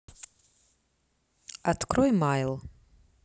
открой mail